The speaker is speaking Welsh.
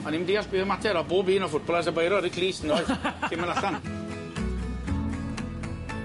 O'n i'm diolch be' o' mater a bob un o ffwtbolers â beiro ar u clust yndoes? Cyn myn' allan.